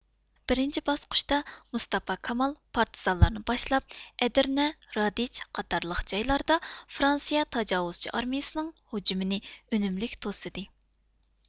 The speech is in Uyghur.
بىرىنچى باسقۇچتا مۇستاپا كامال پارتىزانلارنى باشلاپ ئەدىرنە رادېچ قاتارلىق جايلاردا فرانسىيە تاجاۋۇزچى ئارمىيىسىنىڭ ھۇجۇمىنى ئۈنۈملۈك توسىدى